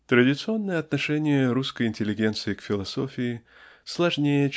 Традиционное отношение русской интеллигенции к философии сложнее